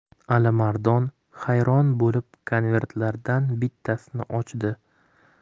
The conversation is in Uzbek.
alimardon hayron bo'lib konvertlardan bittasini ochdi